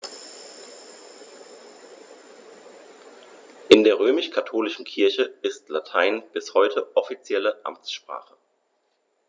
In der römisch-katholischen Kirche ist Latein bis heute offizielle Amtssprache.